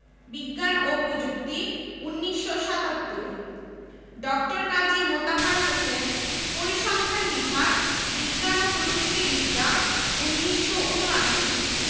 বিজ্ঞান ও প্রযুক্তি ১৯৭৭ ড. কাজী মোতাহার হোসেন পরিসংখ্যান বিভাগ বিজ্ঞান ও প্রযুক্তি বিদ্যা ১৯৭৯